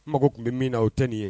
N mago kun bɛ min na o tɛ nin ye.